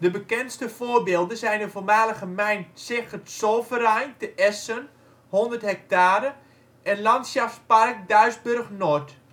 bekendste voorbeelden zijn de voormalige mijn Zeche Zollverein te Essen (100 ha) en Landschaftspark Duisburg-Nord